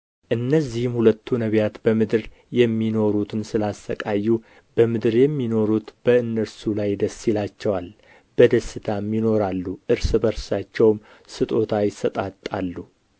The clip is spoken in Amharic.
እነዚህም ሁለት ነቢያት በምድር የሚኖሩትን ስለ ሣቀዩ በምድር የሚኖሩት በእነርሱ ላይ ደስ ይላቸዋል በደስታም ይኖራሉ እርስ በርሳቸውም ስጦታ ይሰጣጣሉ